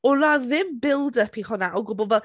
oedd 'na ddim build-up i hwnna o gwbl fel...